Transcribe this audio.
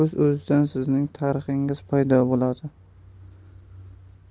o'z o'zidan sizning tarixingiz paydo bo'ladi